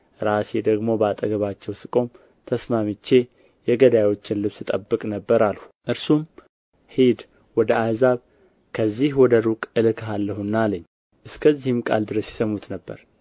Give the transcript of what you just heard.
ራሴ ደግሞ በአጠገባቸው ስቆም ተስማምቼ የገዳዮችን ልብስ እጠብቅ ነበር አልሁ እርሱም ሂድ እኔ ወደ አሕዛብ ከዚህ ወደ ሩቅ እልክሃለሁና አለኝ እስከዚህም ቃል ድረስ ይሰሙት ነበር